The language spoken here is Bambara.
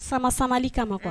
Sama sabalili kama ma kɔnɔ